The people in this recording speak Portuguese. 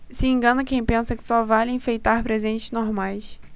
se engana quem pensa que só vale enfeitar presentes normais